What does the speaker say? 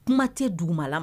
Kuma tɛ duguma ma